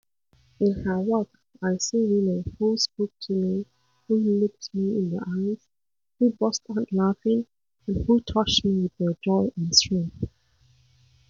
In her work, I see women who spoke to me, who looked me in the eyes, who burst out laughing and who touched me with their joy and strength.